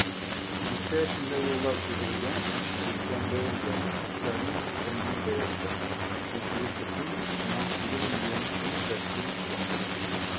Бистә эчендә юллар төзелгән һәм төзекләндерелгән, эшләрнең гомуми бәясе 58,8 миллион сум тәшкил иткән.